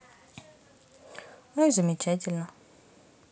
ну и замечательно